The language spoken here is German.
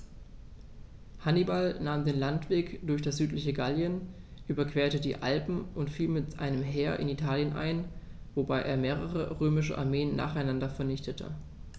Hannibal nahm den Landweg durch das südliche Gallien, überquerte die Alpen und fiel mit einem Heer in Italien ein, wobei er mehrere römische Armeen nacheinander vernichtete.